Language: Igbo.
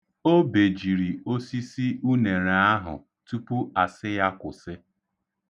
O bejiri osisi unere ahụ tupu a sị ya kwụsị.